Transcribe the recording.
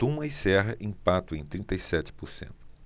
tuma e serra empatam em trinta e sete por cento